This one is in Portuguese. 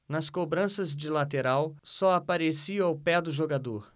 nas cobranças de lateral só aparecia o pé do jogador